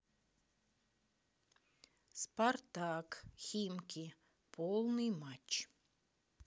спартак химки полный матч